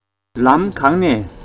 ལམ གང ནས